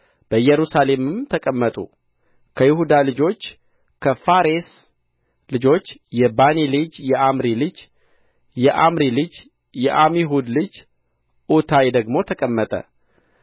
በኢየሩሳሌም ተቀመጡ ከይሁዳ ልጅ ከፋሬስ ልጆች የባኒ ልጅ የአምሪ ልጅ የፆምሪ ልጅ የዓሚሁድ ልጅ ዑታይ ደግሞ ተቀመጠ